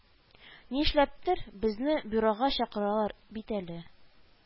Нишләптер безне бюрога чакыралар бит әле